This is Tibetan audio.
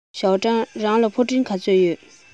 ཞའོ ཀྲང རང ལ ཕུ འདྲེན ག ཚོད ཡོད